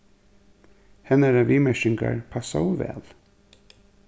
hennara viðmerkingar passaðu væl